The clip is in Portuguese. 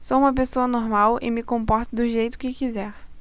sou homossexual e me comporto do jeito que quiser